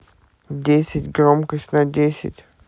десять громкость на десять